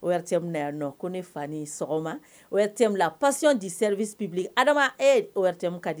O min na yan nɔ ko ne fa ni sɔgɔma o te bila pasi di se bɛ bi adama o di